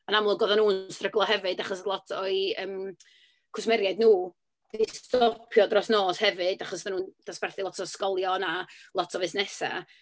Yn amlwg oedden nhw'n stryglo hefyd, achos oedd lot o'u yym cwsmeriaid nhw 'di stopio dros nos hefyd, achos oedden nhw'n dosbarthu lot o ysgolion a lot o fusnesau.